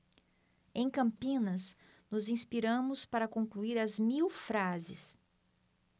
em campinas nos inspiramos para concluir as mil frases